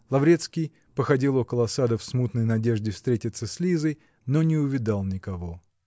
Лаврецкий походил около сада в смутной надежде встретиться с Лизой, но не увидал никого.